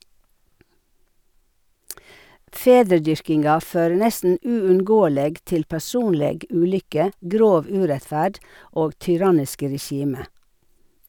Fedredyrkinga fører nesten uunngåeleg til personleg ulykke, grov urettferd og tyranniske regime.